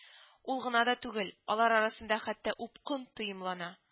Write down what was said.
Ул гына да түгел, алар арасында хәтта упкын тоемлана